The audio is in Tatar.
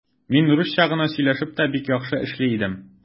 Мин русча гына сөйләшеп тә бик яхшы эшли идем.